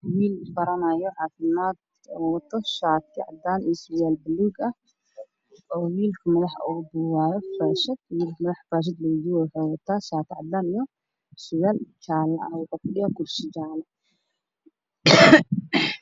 wiilbaranayo cafimad oo wato shticadan iyo suwal bulug a oo wiilka madaxa ogun dubayo fashad wuxu wata shati cadan ah iyo suwal jala ah oo kufadhiyo kursi jala ah